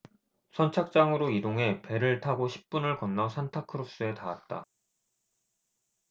선착장으로 이동해 배를 타고 십 분을 건너 산타크루스에 닿았다